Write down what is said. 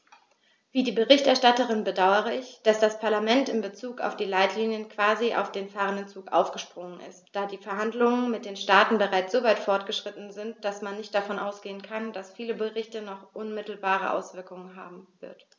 Wie die Berichterstatterin bedaure ich, dass das Parlament in bezug auf die Leitlinien quasi auf den fahrenden Zug aufgesprungen ist, da die Verhandlungen mit den Staaten bereits so weit fortgeschritten sind, dass man nicht davon ausgehen kann, dass dieser Bericht noch unmittelbare Auswirkungen haben wird.